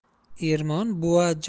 ermon buva jon